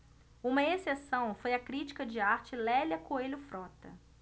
uma exceção foi a crítica de arte lélia coelho frota